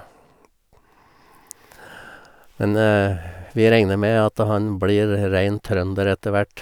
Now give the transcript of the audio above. Men vi regner med at han blir rein trønder etter hvert.